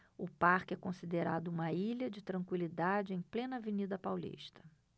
o parque é considerado uma ilha de tranquilidade em plena avenida paulista